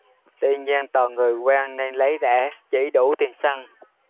tuy nhiên toàn người quen nên lấy rẻ chỉ đủ tiền xăng